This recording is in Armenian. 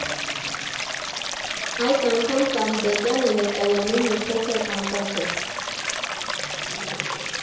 Այս անգամ Սարիբեկյանը ներկայանում է փոքր արձակով.